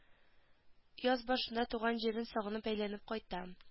Яз башында туган җирен сагынып әйләнеп кайта